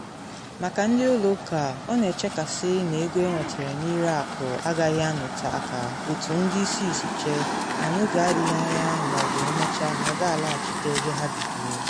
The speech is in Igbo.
Maka ndị ụlọ ụka, ọ na echekasị na ego enwetere na ịre akụ agaghị anọte aka otu ndị isi si chee, “ma n’oge adịghị anya ma ọ bụ emechaa ha ga-alaghachite ebe ha bidoro.”